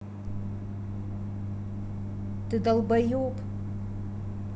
ты долбоеб